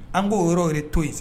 An k'o yɔrɔ yɛrɛ to yen sa